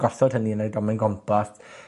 gosod hynny yn y domen gompost,